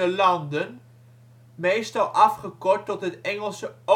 Landen, meestal afgekort tot het Engelse